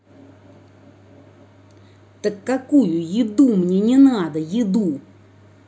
так какую еду мне не надо еду